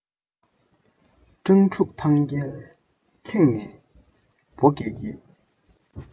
སྤྲང ཕྲུག ཐང རྐྱལ ཁེངས ནས སྦོ དགྱེད དགྱེད